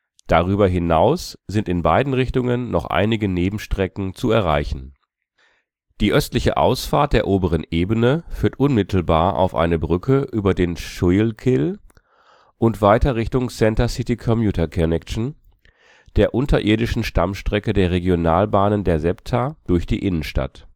Darüber hinaus sind in beiden Richtungen noch einige Nebenstrecken zu erreichen. Die östliche Ausfahrt der oberen Ebene führt unmittelbar auf eine Brücke über den Schuylkill und weiter Richtung Center City Commuter Connection, der unterirdischen Stammstrecke der Regionalbahnen der SEPTA durch die Innenstadt